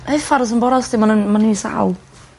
...effars yn bora os 'di ma' nw'n ma' neu' sal.